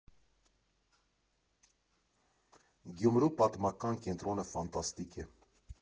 Գյումրու պատմական կենտրոնը ֆանտաստիկ է։